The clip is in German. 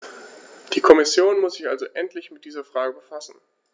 Die Kommission muss sich also endlich mit dieser Frage befassen.